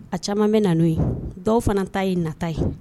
A caman bɛ na n'o ye dɔw fana ta ye nata ye